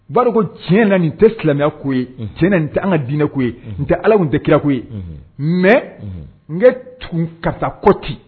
Ba dɔn ko tiɲɛ yɛrɛ la nin tɛ silamɛya ko ye unhun tiɲɛna ni tɛ an ka diinɛ ko ye unhun ni tɛ Ala k n tɛ kira ko ye unhun mais unhun n ge tugun karisa kɔ ten